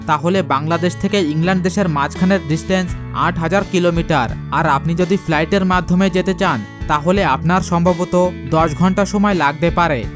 তাহলে বাংলাদেশ থেকে ইংল্যান্ড দেশের মাঝখানের ডিসটেন্স আট হাজার কিলোমিটার আর আপনি যদি ফ্লাইট এর মাধ্যমে যেতে চান তাহলে আপনার সম্ভবত ১০ ঘণ্টা সময় লাগতে পারে